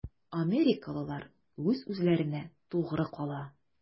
Америкалылар үз-үзләренә тугры кала.